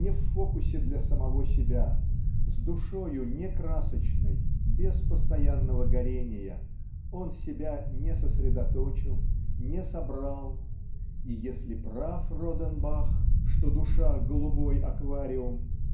Не в фокусе для самого себя с душою не красочной без постоянного горения он себя не сосредоточил не собрал и если прав Роденбах что душа голубой аквариум